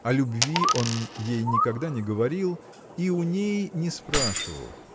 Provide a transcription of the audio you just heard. О любви он ей никогда не говорил и у ней не спрашивал